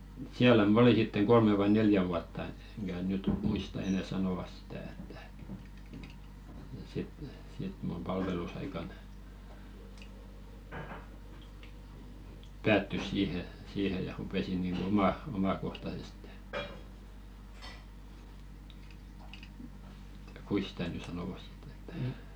siellä minä olin sitten kolme vai neljä vuotta että enkä nyt muista enää sanoa sitä että ja sitten sitten minun palvelusaikani päättyi siihen siihen ja rupesin niin kuin - omakohtaisesti kuinka sitä nyt sanovat sitten että